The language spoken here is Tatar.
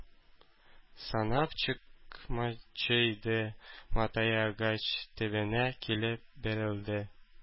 Санап чыкмакчы иде, матае агач төбенә килеп бәрелде.